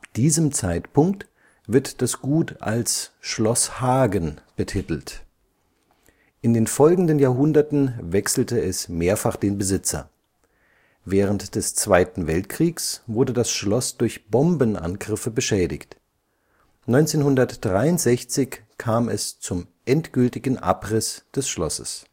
diesem Zeitpunkt wird das Gut als Schloss Hagen betitelt. In den folgenden Jahrhunderten wechselte es mehrfach den Besitzer. Während des Zweiten Weltkriegs wurde das Schloss durch Bombenangriffe beschädigt. 1963 kam es zum endgültigen Abriss des Schlosses